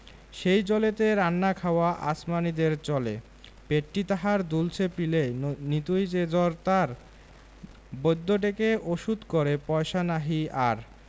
সেই জলেতে রান্না খাওয়া আসমানীদের চলে পেটটি তাহার দুলছে পিলেয় নিতুই যে জ্বর তার বৈদ্য ডেকে ওষুধ করে পয়সা নাহি আর